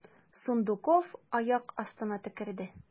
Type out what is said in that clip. Сундуков аяк астына төкерде.